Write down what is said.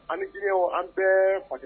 An jigi o an bɛɛ fa